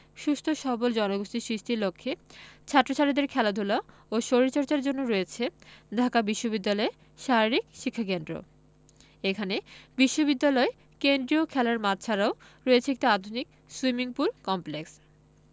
সুস্থ সবল জনগোষ্ঠী সৃষ্টির লক্ষ্যে ছাত্র ছাত্রীদের খেলাধুলা ও শরীরচর্চার জন্য রয়েছে ঢাকা বিশ্ববিদ্যালয়ে শারীরিক শিক্ষাকেন্দ্র এখানে বিশ্ববিদ্যালয় কেন্দ্রীয় খেলার মাঠ ছাড়াও রয়েছে একটি আধুনিক সুইমিং পুল কমপ্লেক্স